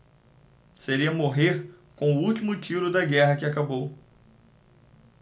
seria morrer com o último tiro da guerra que acabou